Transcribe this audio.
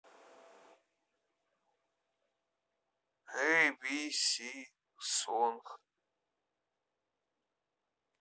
эй би си сонг